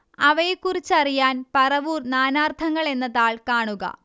അവയെക്കുറിച്ചറിയാൻ പറവൂർ നാനാർത്ഥങ്ങൾ എന്ന താൾ കാണുക